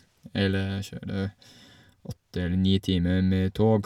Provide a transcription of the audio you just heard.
Eller kjøre åtte eller ni timer med tog.